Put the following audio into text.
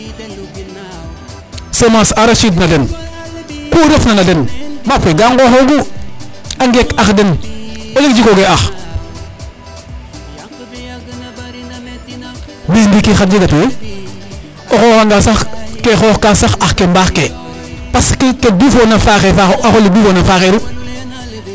semence arachide na den ke refna na den maak we ga ŋoxogu a ngek ax den a leŋ jikoge ax mais ndiki xr jekatu ye o xoxa nga sax ke o xoox ka sax ax ke mbaax ke parce que ke dufona faxe faax o axole dufona faxeru